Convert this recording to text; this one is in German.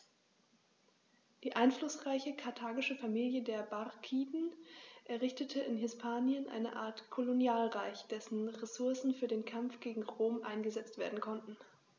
Die einflussreiche karthagische Familie der Barkiden errichtete in Hispanien eine Art Kolonialreich, dessen Ressourcen für den Kampf gegen Rom eingesetzt werden konnten.